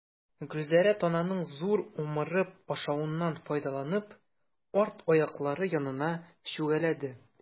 Гөлзәрә, тананың зур-зур умырып ашавыннан файдаланып, арт аяклары янына чүгәләде.